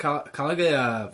Cal- Calan Gaea.